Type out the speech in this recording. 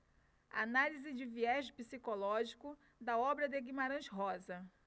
análise de viés psicológico da obra de guimarães rosa